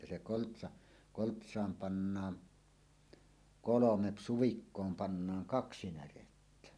ja se koltsa koltsaan pannaan kolme suvikkoon pannaan kaksi närettä